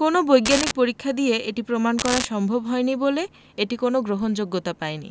কোনো বৈজ্ঞানিক পরীক্ষা দিয়ে এটি প্রমাণ করা সম্ভব হয়নি বলে এটি কোনো গ্রহণযোগ্যতা পায়নি